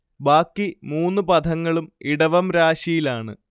ബാക്കി മൂന്നു പഥങ്ങളും ഇടവം രാശിയിലാണ്